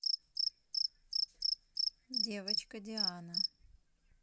девочка диана